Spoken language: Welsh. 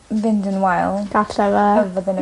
fynd yn wael... Galle fe. ...bydde fe'n...